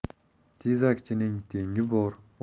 tezakchining tengi bor